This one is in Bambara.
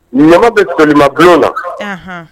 Ɔgɔ bɛ balimalima bulon na